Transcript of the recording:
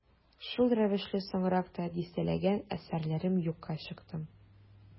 Шул рәвешле соңрак та дистәләгән әсәрләрем юкка чыкты.